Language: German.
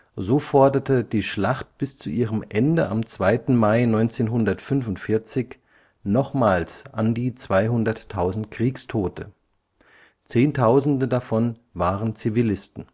So forderte die Schlacht bis zu ihrem Ende am 2. Mai 1945 nochmals an die 200.000 Kriegstote, Zehntausende davon waren Zivilisten